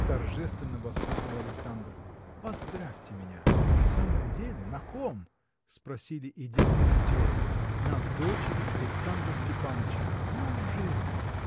– торжественно воскликнул Александр. – Поздравьте меня. – В самом деле? На ком? – спросили и дядя и тетка. – На дочери Александра Степаныча. – Неужели?